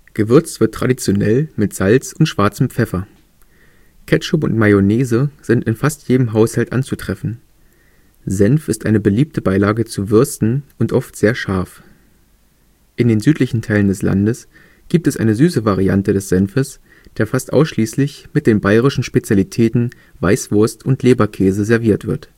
Gewürzt wird traditionell mit Salz und schwarzem Pfeffer. Ketchup und Mayonnaise sind in fast jedem Haushalt anzutreffen. Senf ist eine beliebte Beilage zu Würsten und oft sehr scharf. In den südlichen Teilen des Landes gibt es eine süße Variante des Senfes, der fast ausschließlich mit den bayerischen Spezialitäten Weißwurst und Leberkäse serviert wird